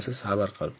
sabr qil